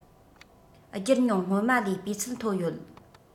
སྒྱུར མྱོང སྔོན མ ལས སྤུས ཚད མཐོ ཡོད